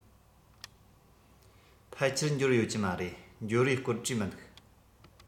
ཕལ ཆེར འབྱོར ཡོད ཀྱི མ རེད འབྱོར བའི སྐོར བྲིས མི འདུག